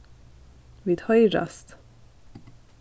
vit hoyrast